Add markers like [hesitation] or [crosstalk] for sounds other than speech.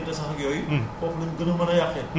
ndax [hesitation] ñoom xam nga gàncax bu tooy bi